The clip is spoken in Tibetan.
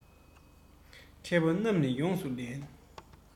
མཁས པ རྣམས ནི ཡོངས སུ ལེན